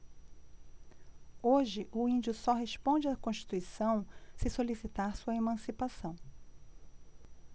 hoje o índio só responde à constituição se solicitar sua emancipação